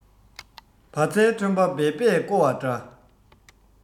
བ ཚྭའི ཁྲོན པ འབད པས རྐོ བ འདྲ